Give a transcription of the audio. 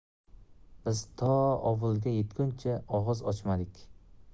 biz to ovulga yetguncha og'iz ochmadik